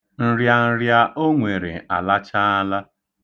Nrịanrịa o nwere alachaala.